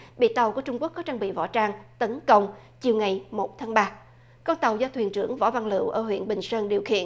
bị tàu của trung quốc có trang bị võ trang tấn công chiều ngày một tháng ba con tàu do thuyền trưởng võ văn lựu ở huyện bình sơn điều khiển